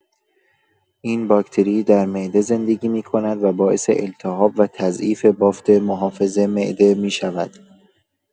این باکتری در معده زندگی می‌کند و باعث التهاب و تضعیف بافت محافظ معده می‌شود.